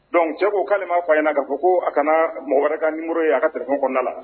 Don cɛw k ko k'ale maa fa in ɲɛna ka fɔ ko a kana mɔgɔ wɛrɛ ka nin ye a ka t kɔnɔnada la